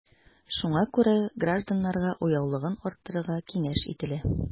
Шуңа күрә гражданнарга уяулыгын арттырыга киңәш ителә.